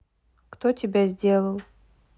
кто тебя сделал